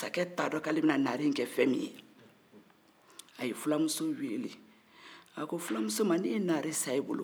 masakɛ t'a dɔn ko ale bɛna naare in kɛ fɛn min ye a ye filamuso weele a ko filamuso ma ne ye naare san e bolo